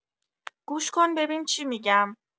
گوش کن ببین چی می‌گم!